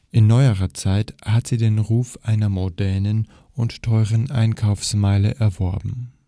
In neuerer Zeit hat sie sich den Ruf einer mondänen und teuren Einkaufsmeile erworben